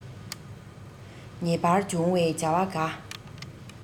ངེས པར འབྱུང བའི བྱ བ འགའ